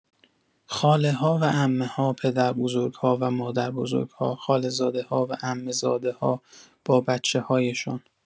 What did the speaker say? خاله‌ها و عمه‌ها، پدربزرگ‌ها و مادربزرگ‌ها، خاله‌زاده‌ها و عمه‌زاده‌ها با بچه‌هایشان